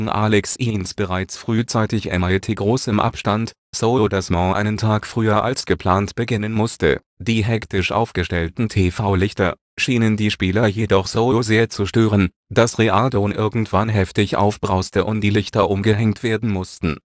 Alex Higgins bereits frühzeitig mit großem Abstand, so dass man einen Tag früher als geplant beginnen musste. Die hektisch aufgestellten TV-Lichter, schienen die Spieler jedoch so sehr zu stören, dass Reardon irgendwann heftig aufbrauste und die Lichter umgehängt werden mussten